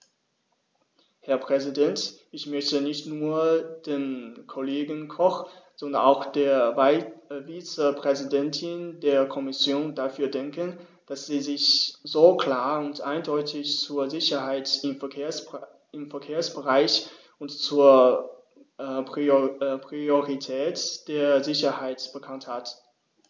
Herr Präsident, ich möchte nicht nur dem Kollegen Koch, sondern auch der Vizepräsidentin der Kommission dafür danken, dass sie sich so klar und eindeutig zur Sicherheit im Verkehrsbereich und zur Priorität der Sicherheit bekannt hat.